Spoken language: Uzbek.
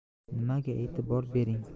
nimaga e'tibor bering